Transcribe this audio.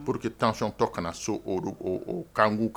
Pour quetanctɔ kana so o kan kan